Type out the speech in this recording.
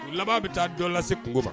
O laban bɛ taa dɔɔ lase kungo ma